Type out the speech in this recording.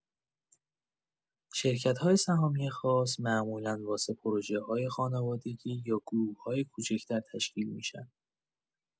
شرکت‌های سهامی خاص معمولا واسه پروژه‌های خانوادگی یا گروه‌های کوچیک‌تر تشکیل می‌شن.